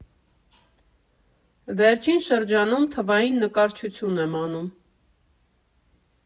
Վերջին շրջանում թվային նկարչություն եմ անում։